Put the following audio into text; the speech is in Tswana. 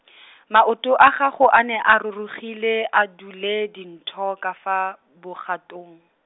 maoto a gagwe a ne a rurugile a dule dintho ka fa, bogatong.